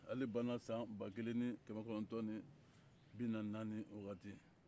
ale de banna san ba kelen ani kɛmɛ kɔnɔntɔn ni bi naani ni naani wagati